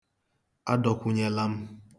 Adọkwụnyela m.